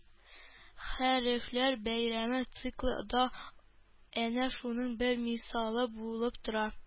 «хәрефләр бәйрәме» циклы да әнә шуның бер мисалы булып тора